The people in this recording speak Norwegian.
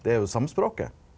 det er jo same språket.